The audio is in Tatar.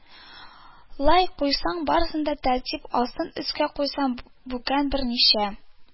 Лай куйсаң, барысы да тәртип, астын өскә куйсаң, бүкән берничә